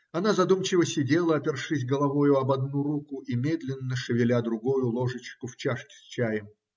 Она задумчиво сидела, опершись головою об одну руку и медленно шевеля другою ложечку в чашке с чаем.